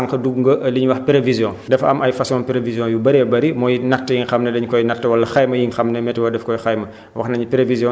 waaye wax nga ne sànq dugg nga li ñuy wax prévision dafa am ay façons prévisions yu bëree bëri mooy natt yi nga xam ne dañu koy natt wala xayma yi nga xam ne météo daf koy xayma